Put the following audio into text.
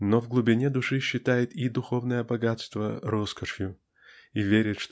но в глубине души считает и духовное богатство роскошью и верит